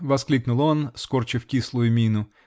-- воскликнул он, скорчив кислую мину.